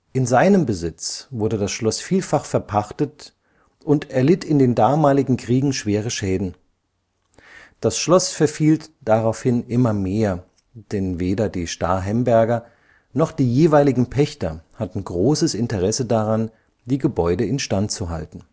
In seinem Besitz wurde das Schloss vielfach verpachtet und erlitt in den damaligen Kriegen schwere Schäden. Das Schloss verfiel daraufhin immer mehr, denn weder die Starhemberger noch die jeweiligen Pächter hatten großes Interesse daran die Gebäude instandzuhalten